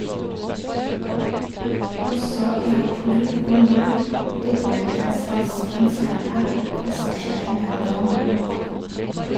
Også i april og mai opplevde SAS-konsernet passasjernedgang.